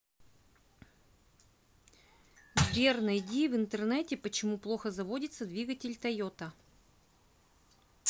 сбер найди в интернете почему плохо заводится двигатель тойота